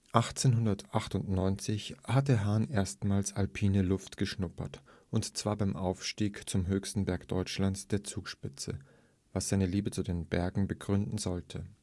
1898 hatte Otto Hahn erstmals alpine Luft geschnuppert, und zwar beim Aufstieg zum höchsten Berg Deutschlands, der Zugspitze, was seine Liebe zu den Bergen begründen sollte